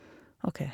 OK.